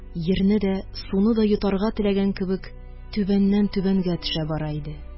Йирне дә, суны да йотарга теләгән кебек, түбәннән түбәнгә төшә бара иде.